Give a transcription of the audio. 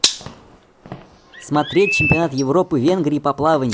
смотреть чемпионат европы венгрии по плаванию